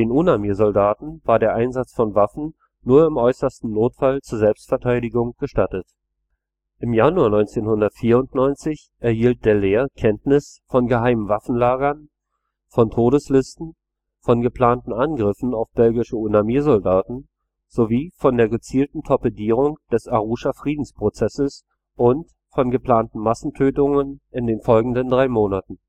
UNAMIR-Soldaten war der Einsatz von Waffen nur im äußersten Notfall zur Selbstverteidigung gestattet. Im Januar 1994 erhielt Dallaire Kenntnis von geheimen Waffenlagern, von Todeslisten, von geplanten Angriffen auf die belgischen UNAMIR-Soldaten sowie von der gezielten Torpedierung des Arusha-Friedensprozesses und von geplanten Massentötungen in den folgenden drei Monaten